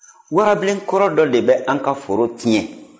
warabilenkɔrɔ dɔ de bɛ an ka foro tiɲɛ